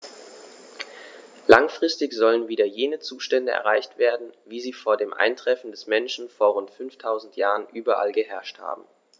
Langfristig sollen wieder jene Zustände erreicht werden, wie sie vor dem Eintreffen des Menschen vor rund 5000 Jahren überall geherrscht haben.